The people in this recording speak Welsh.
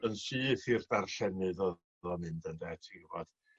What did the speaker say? yn syth i'r darllenydd o'dd o'n mynd ynde ti'n gwbod.